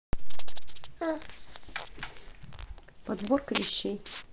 подборка вещей